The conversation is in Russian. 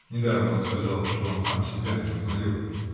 Недаром он сказал, что сам себя не узнает.